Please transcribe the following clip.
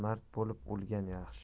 mard bo'lib o'lgan yaxshi